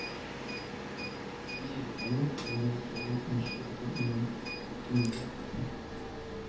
Физик затларның кеременә салым унҗиде бөтән уннан алты миллиард